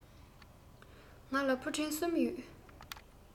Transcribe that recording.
ང ལ ཕུ འདྲེན གསུམ ཡོད